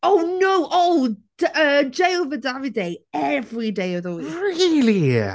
Oh no! Oh D- er Jay over Davide every day of the week... Really?